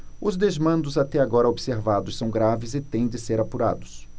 os desmandos até agora observados são graves e têm de ser apurados